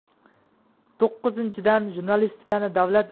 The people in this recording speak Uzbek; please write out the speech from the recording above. to'qqizinchidan jurnalistikani davlat